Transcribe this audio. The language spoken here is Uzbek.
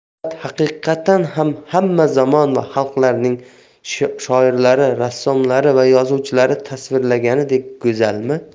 muhabbat haqiqatan ham hamma zamon va xalqlarning shoirlari rassomlari va yozuvchilari tasvirlaganidek go'zalmi